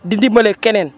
di dimbali keneen